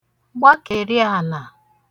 gbakèri ànà